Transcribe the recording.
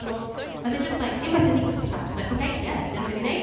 and all... Oedd e just like, unwaith i ni cael chat, it was like "ocei, ie, dyna be ni'n wneud".